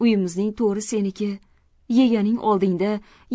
uyimizning to'ri seniki yeganing oldingda